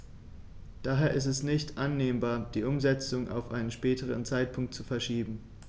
Daher ist es nicht annehmbar, die Umsetzung auf einen späteren Zeitpunkt zu verschieben.